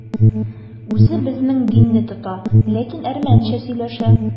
Үзе безнең динне тота, ләкин әрмәнчә сөйләшә.